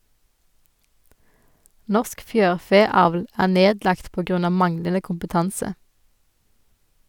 Norsk Fjørfeavl er nedlagt på grunn av manglende kompetanse.